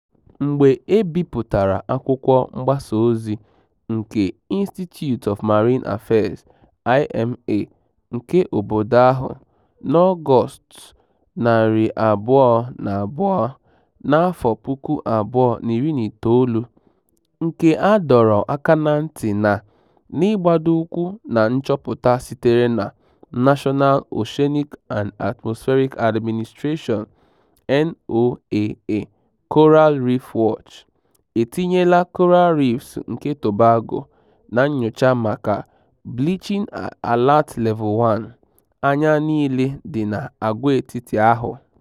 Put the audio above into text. Mgbe e bipụtara akwụkwọ mgbasaozi nke Institute of Marine Affairs (IMA) nke obodo ahụ na Ọgọst 22, 2019, nke a dọrọ aka na nti na— n'igbadoụkwụ na nchọpụta sitere na National Oceanic and Atmospheric Administration (NOAA) Coral Reef Watch — etinyela Coral Reefs nke Tobago na nyocha maka ""Bleaching Alert Level One" — anya niile dị n'agwaetiti ahụ.